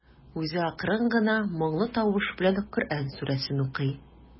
Үзе акрын гына, моңлы тавыш белән Коръән сүрәсен укый.